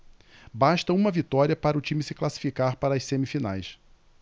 basta uma vitória para o time se classificar para as semifinais